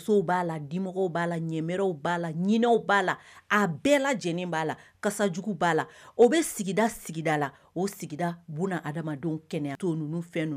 Sosow b'a la dimɔgɔw b'a la ɲɛbɛrɛw b' la ɲinɛw b'a la a bɛɛ lajɛlen b'a la, kasa juguw b'a la o bɛ sigida sigida la o sigida buna hadamadenw kɛnɛ to ninnu fɛn